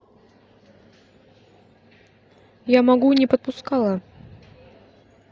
я могу не подпускала